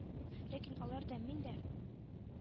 Ләкин алар да, мин дә